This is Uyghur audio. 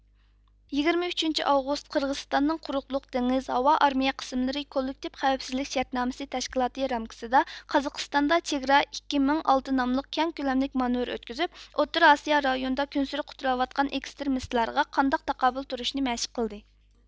يىگىرمە ئۈچىنچى ئاۋغۇست قىرغىزىستاننىڭ قۇرۇقلۇق دېڭىز ھاۋا ئارمىيە قىسىملىرى كوللېكتىپ خەۋپسىزلىك شەرتنامىسى تەشكىلاتى رامكىسىدا قازاقىستاندا چېگرا ئىككى مىڭ ئالتە ناملىق كەڭ كۆلەملىك مانېۋىر ئۆتكۈزۈپ ئوتتۇرا ئاسىيا رايونىدا كۈنسېرى قۇتراۋاتقان ئېكستىرمىستلارغا قانداق تاقابىل تۇرۇشنى مەشىق قىلدى